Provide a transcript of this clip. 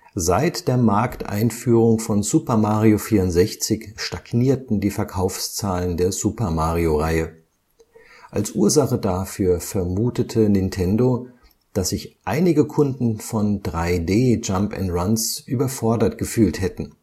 Seit der Markteinführung von Super Mario 64 stagnierten die Verkaufszahlen der Super-Mario-Reihe. Als Ursache dafür vermutete Nintendo, dass sich einige Kunden von 3D-Jump -’ n’ - Runs überfordert gefühlt hätten